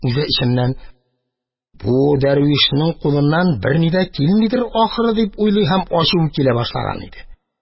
Үзе эченнән: «Бу дәрвишнең кулыннан берни дә килмидер, ахры», – дип уйлый һәм ачуы килә башлаган иде.